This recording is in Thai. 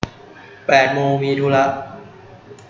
แปดโมงมีธุระ